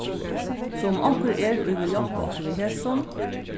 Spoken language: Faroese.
so um onkur er ið vil hjálpa okkum við hesum